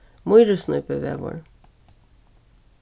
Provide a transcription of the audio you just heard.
mýrisnípuvegur